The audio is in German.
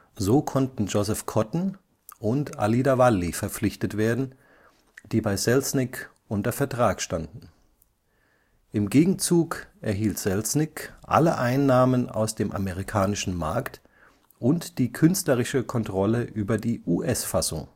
So konnten Joseph Cotten und Alida Valli verpflichtet werden, die bei Selznick unter Vertrag standen. Im Gegenzug erhielt Selznick alle Einnahmen aus dem amerikanischen Markt und die künstlerische Kontrolle über die US-Fassung